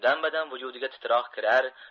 dam badam vujudiga titroq kirar